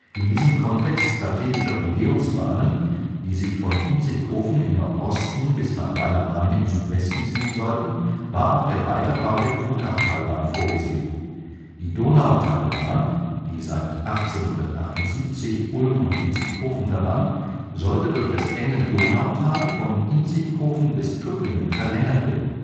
In diesem Kontext strategischer Umgehungsbahnen, die sich von Inzigkofen im Nordosten bis nach Weil am Rhein in Südwesten ziehen sollten, war auch der Weiterbau der Wutachtalbahn vorgesehen: Die Donautalbahn, die seit 1878 Ulm und Inzigkofen verband, sollte durch das enge Donautal von Inzigkofen bis Tuttlingen verlängert werden